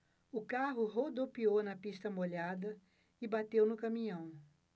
o carro rodopiou na pista molhada e bateu no caminhão